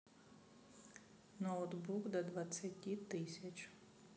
ноутбук до двадцати тысяч